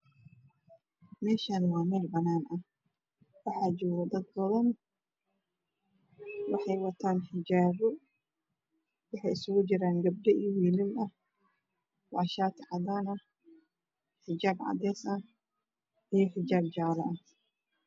Meeshaan waa meel banaan ah waxaa joogo dad badan waxay wataan xijaabo waxay isugu jiraan gabdho iyo wiilal ah waa shaati cadaan ah xijaab cadees ah iyo xijaab jaala ah